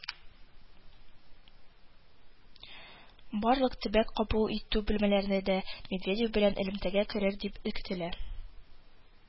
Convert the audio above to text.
Барлык төбәк кабул итү бүлмәләре дә Медведев белән элемтәгә керер дип көтелә